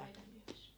voita myymässä